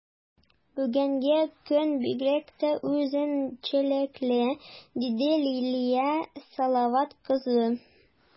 Бүгенге көн бигрәк тә үзенчәлекле, - диде Лилия Салават кызы.